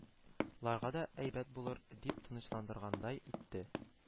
Ларга да әйбәт булыр, – дип тынычландыргандай итте